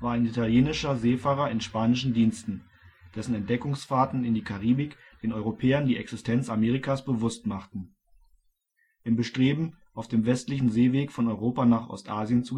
war ein italienischer Seefahrer in spanischen Diensten, dessen Entdeckungsfahrten in die Karibik den Europäern die Existenz Amerikas bewusst machten. Im Bestreben, auf dem westlichen Seeweg von Europa nach Ostasien zu